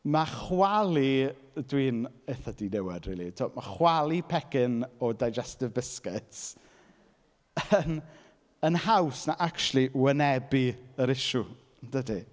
Ma' chwalu... dwi'n ithe diniwed rili, tibod ma' chwalu pecyn o digestive biscuits yn yn haws na acshyli wynebu yr issue, yn dydi.